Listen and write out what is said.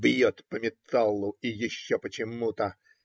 Бьет но металлу и еще по чему-то.